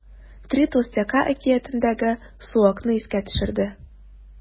“три толстяка” әкиятендәге суокны искә төшерде.